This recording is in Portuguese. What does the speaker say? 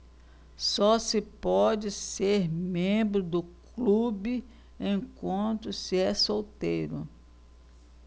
só se pode ser membro do clube enquanto se é solteiro